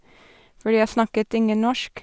Fordi jeg snakket ingen norsk.